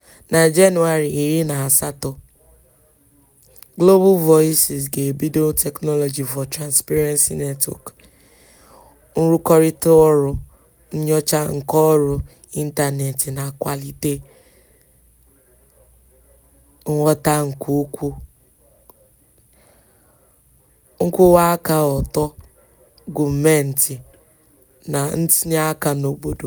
Na Jenụwarị 18 Global Voices ga-ebido Technology for Transparency Network, nrụkọrịta ọrụ nnyocha nke ọrụ ịntanetị na-akwalite nghọta nke ukwuu, nkwụwa aka ọtọ gọọmentị, na ntinye aka n'obodo.